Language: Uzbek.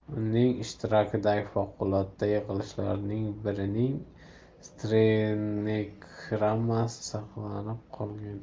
uning ishtirokidagi favqulodda yig'ilishlardan birining stenogrammasi saqlanib qolgan